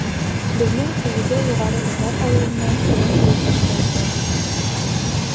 Безнең Сеҗегә Югары Утар авылыннан килен булып төшкән ул.